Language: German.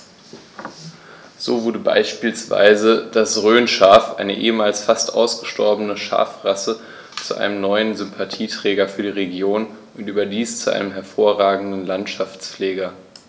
So wurde beispielsweise das Rhönschaf, eine ehemals fast ausgestorbene Schafrasse, zu einem neuen Sympathieträger für die Region – und überdies zu einem hervorragenden Landschaftspfleger.